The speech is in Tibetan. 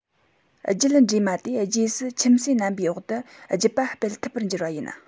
རྒྱུད འདྲེས མ དེ རྗེས སུ ཁྱིམ གསོས རྣམ པའི འོག ཏུ རྒྱུད པ སྤེལ ཐུབ པར འགྱུར བ ཡིན